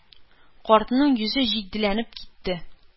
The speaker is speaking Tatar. Картның йөзе җитдиләнеп китте.